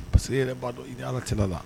Parce que e yɛrɛ b'a dɔn i ni ala cɛla la.